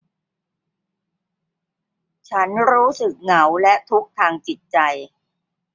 ฉันรู้สึกเหงาและทุกข์ทางจิตใจ